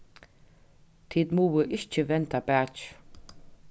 tit mugu ikki venda bakið